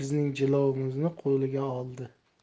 bizning jilovimizni qo'liga oldi